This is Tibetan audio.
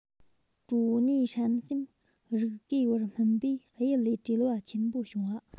གྲོ ནས སྲན གསུམ རུག གེ བར སྨིན པས གཡུལ ལས བྲེལ བ ཆེན པོ བྱུང བ